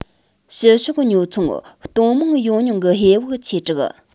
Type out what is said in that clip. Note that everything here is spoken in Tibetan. ཕྱི ཕྱོགས ཉོ ཚོང གཏོང མང ཡོང ཉུང གི ཧེ བག ཆེ དྲགས